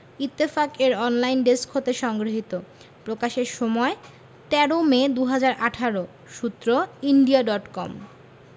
ইত্তেফাক এর online desk হতে সংগৃহীত প্রকাশের সময় ১৩ মে ২০১৮ সূত্র ইন্ডিয়া ডট কম